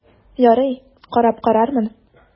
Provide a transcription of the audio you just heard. Ярый, карап карармын...